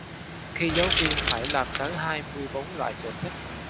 khi giáo viên phải làm tới hai mươi bốn loại sổ sách